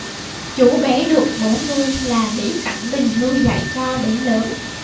chú bé được bố nuôi là lý cảnh bình nuôi dạy cho đến lớn